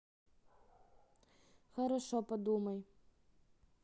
хорошо подумай